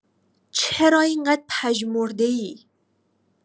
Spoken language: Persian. چرا انقدر پژمرده‌ای؟